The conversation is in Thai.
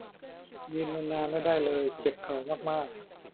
ยืนนานนานไม่ได้เลยเจ็บเข่ามากมาก